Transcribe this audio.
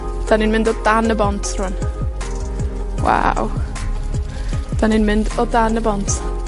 'Dan ni'n mynd o dan y bont rŵan. Waw. 'Dan ni'n mynd o dan y bont.